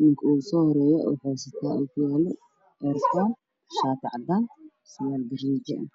ninka ugu soo horeeyo waxa uu sitaa oo kiyaalo eerfoon shaati cadaan surwaal gariijo ah